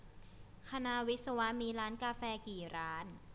คณะวิศวะมีร้านกาแฟกี่ร้าน